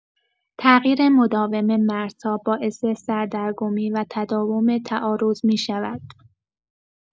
تغییر مداوم مرزها باعث سردرگمی و تداوم تعارض می‌شود.